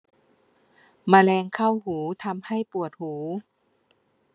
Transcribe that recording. แมลงเข้าหูทำให้ปวดหู